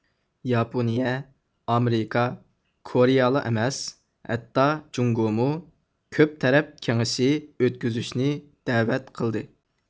ياپونىيە ئامېرىكا كورىيىلا ئەمەس ھەتتا جۇڭگومۇ كۆپ تەرەپ كېڭىشى ئۆتكۈزۈشنى دەۋەت قىلدى